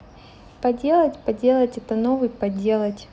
поделать поделать это новый поделать